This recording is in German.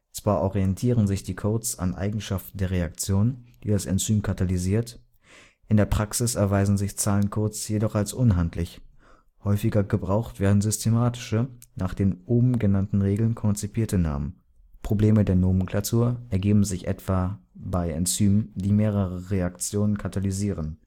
Zwar orientieren sich die Codes an Eigenschaften der Reaktion, die das Enzym katalysiert, in der Praxis erweisen sich Zahlencodes jedoch als unhandlich. Häufiger gebraucht werden systematische, nach den oben genannten Regeln konzipierte Namen. Probleme der Nomenklatur ergeben sich etwa bei Enzymen, die mehrere Reaktionen katalysieren